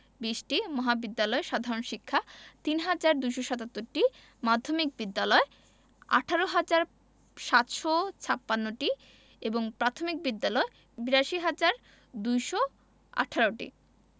২০টি মহাবিদ্যালয় সাধারণ শিক্ষা ৩হাজার ২৭৭টি মাধ্যমিক বিদ্যালয় ১৮হাজার ৭৫৬টি এবং প্রাথমিক বিদ্যালয় ৮২হাজার ২১৮টি